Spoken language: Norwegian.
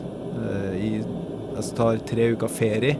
i sn Jeg s tar tre uker ferie.